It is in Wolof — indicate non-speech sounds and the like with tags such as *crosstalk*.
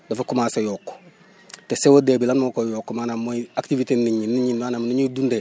dafa commencé yokk *breath* te CO2 bi lan moo koy yokk maanaam mooy activité nit ñi nit ñi maanaam ni ñuy dundee